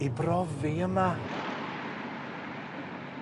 i brofi yma.